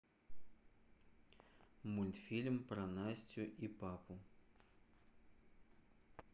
мультфильм про настю и папу